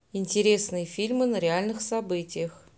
интересные фильмы на реальных событиях